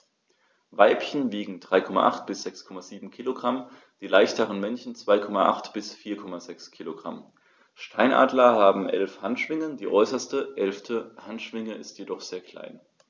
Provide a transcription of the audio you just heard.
Weibchen wiegen 3,8 bis 6,7 kg, die leichteren Männchen 2,8 bis 4,6 kg. Steinadler haben 11 Handschwingen, die äußerste (11.) Handschwinge ist jedoch sehr klein.